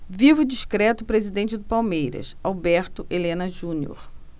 viva o discreto presidente do palmeiras alberto helena junior